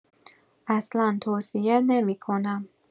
اصلا توصیه نمی‌کنم!